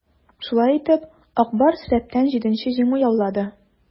Шулай итеп, "Ак Барс" рәттән җиденче җиңү яулады.